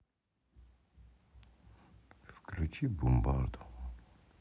включи бумбарду